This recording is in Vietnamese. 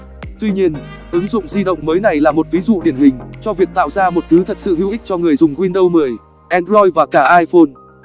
tuy nhiên ứng dụng di động mới này là một ví dụ điển hình cho việc tạo ra một thứ thật sự hữu ích cho người dùng windows android và cả iphone